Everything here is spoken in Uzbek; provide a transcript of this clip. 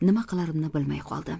nima qilarimni bilmay qoldim